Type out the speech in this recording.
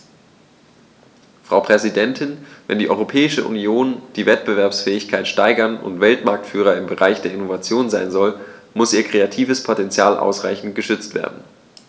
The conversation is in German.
Frau Präsidentin, wenn die Europäische Union die Wettbewerbsfähigkeit steigern und Weltmarktführer im Bereich der Innovation sein soll, muss ihr kreatives Potential ausreichend geschützt werden.